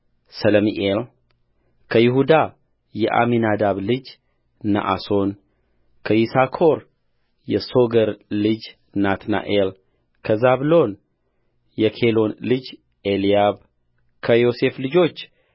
ሰለሚኤልከይሁዳ የአሚናዳብ ልጅ ነአሶንከይሳኮር የሶገር ልጅ ናትናኤልከዛብሎን የኬሎን ልጅ ኤልያብ ከዮሴፍ ልጆች